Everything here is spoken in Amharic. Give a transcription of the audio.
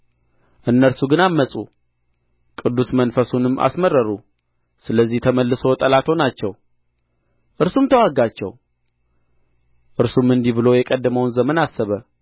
እነርሱ ግን ዐመፁ ቅዱስ መንፈሱንም አስመረሩ ስለዚህ ተመልሶ ጠላት ሆናቸው እርሱም ተዋጋቸው እርሱም እንዲህ ብሎ የቀደመውን ዘመን አሰበ